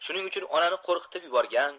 shuning uchun onani ko'rqitib yuborgan